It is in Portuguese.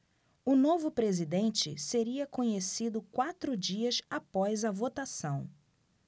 o novo presidente seria conhecido quatro dias após a votação